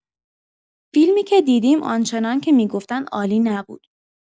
فیلمی که دیدیم آنچنان که می‌گفتند عالی نبود.